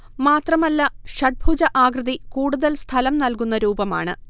മാത്രമല്ല ഷഡ്ഭുജ ആകൃതി കൂടുതൽ സ്ഥലം നൽകുന്ന രൂപമാണ്